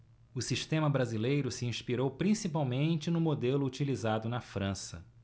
o sistema brasileiro se inspirou principalmente no modelo utilizado na frança